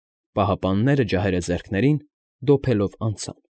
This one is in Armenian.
Պահապանները, ջահերը ձեռքներին, դոփելով անցան։